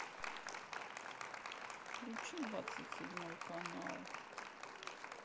включи двадцать седьмой канал